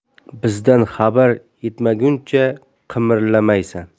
bizdan xabar yetmaguncha qimirlamaysan